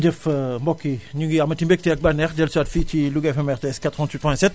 voilà jërëjëf mbokk yi ñi ngi amati mbégte ak bànneex di dellusiwaat fii ci Louga FM RTS 88.7